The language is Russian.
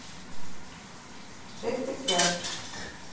шесть утят